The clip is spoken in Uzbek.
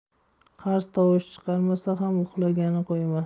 qarz tovush chiqarmasa ham uxlagani qo'ymas